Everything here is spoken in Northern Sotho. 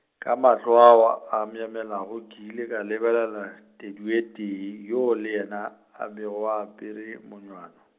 ka mahlo ao a myemyelago ke ile ka lebelela, Teduetee yoo le yena, a bego a apere monywanyo.